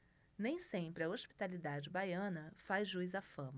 nem sempre a hospitalidade baiana faz jus à fama